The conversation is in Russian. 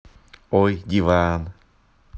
ой диван